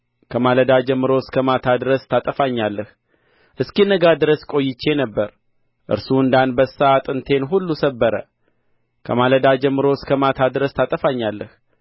ከማለዳም ጀምሮ እስከ ማታ ድረስ ታጠፋኛለህ እስኪነጋ ድረስ ቈይቼ ነበር እርሱ እንደ አንበሳ አጥንቴን ሁሉ ሰበረ ከማለዳ ጀምሮ እስከ ማታ ድረስ ታጠፋኛለህ